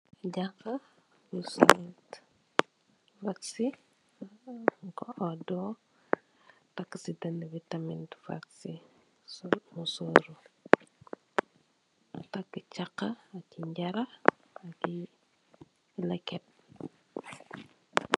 Janxe bu sol waksi munko odo take ci Dane bi waksi take musor take ticax take njara anou laket